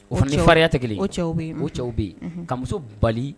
O fana ni farinya tɛ kelen ye, o cɛw bɛ yen, o cɛw bɛ yen ka muso bali